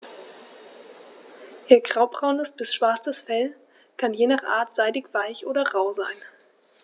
Ihr graubraunes bis schwarzes Fell kann je nach Art seidig-weich oder rau sein.